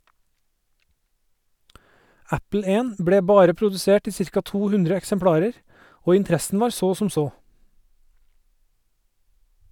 Apple 1 ble bare produsert i ca. 200 eksemplarer, og interessen var så som så.